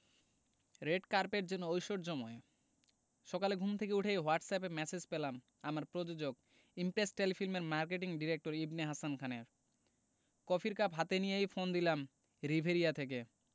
red carpet যেন ঐশ্বর্যময় সকালে ঘুম থেকে উঠেই হোয়াটসঅ্যাপ ম্যাসেজ পেলাম আমার প্রযোজক ইমপ্রেস টেলিফিল্মের মার্কেটিং ডিরেক্টর ইবনে হাসান খানের কফির কাপ হাতেই নিয়েই ফোন দিলাম রিভেরিয়া থেকে